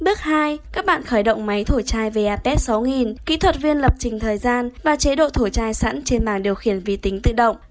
bước các bạn khởi động máy thổi chai vapet kĩ thuật viên lập trình thời gian và chế độ thổi chai sẵn trên bảng điều khiển vi tính tự động